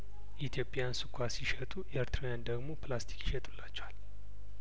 ኢትዮጵያውያን ስኳር ሲሸጡ ኤርትራውያን ደሞ ፕላስቲክ ይሸጡላቸዋል